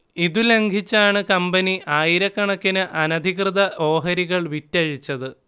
ഇതു ലംഘിച്ചാണ് കമ്പനി ആയിരക്കണക്കിന് അനധികൃത ഓഹരികൾ വിറ്റഴിച്ചത്